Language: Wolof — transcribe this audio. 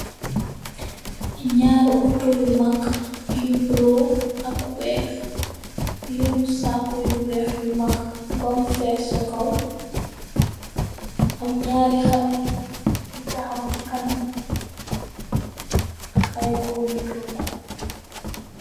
Nyarri auto yu mack ak yu bulo yeenu sac yu mac bem fess ci kaw am nyarri xale yu taxaw ci kanam ay goor yu tok.